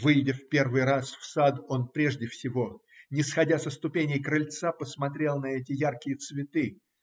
Выйдя в первый раз в сад, он прежде всего, не сходя со ступеней крыльца, посмотрел на эти яркие цветы.